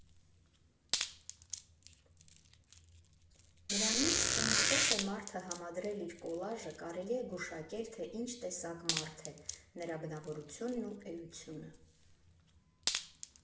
Նրանից, թե ինչպես է մարդը համադրել իր կոլաժը կարելի է գուշակել, թե ինչ տեսակ մարդ է՝ նրա բնավորությունն ու էությունը։